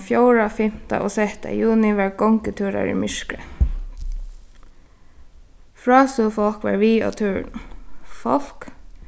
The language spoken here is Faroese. fjórða fimta og sætta juni var gongutúrar í myrkri frásøgufólk var við á túrunum fólk